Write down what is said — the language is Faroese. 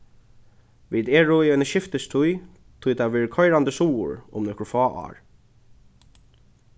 vit eru í eini skiftistíð tí tað verður koyrandi suður um nøkur fá ár